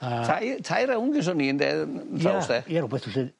A... Tai tair rownd geson ni ynde yy bouts 'de? Ia ia rwbeth felly.